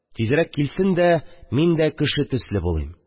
Тизрәк килсен дә, мин дә кеше төсле булыйм